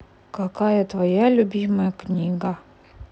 какая твоя любимая книга